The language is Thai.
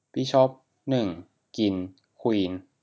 บิชอปหนึ่งกินควีน